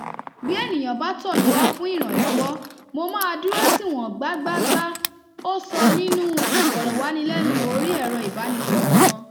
Bí ènìyàn bá tọ̀ mí wá fún ìrànlọ́wọ́, mo máa dúró tì wọ́n gbágbágbá, ó sọ nínúu ìfọ̀rọ̀wánilẹ́nuwò orí ẹ̀ro-ìbánisọ̀rọ̀ kan.